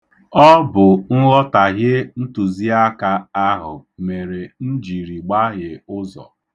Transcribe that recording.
Ọ bụ nghọtahie ntụziaka ahụ mere m jiri gbahie ụzọ.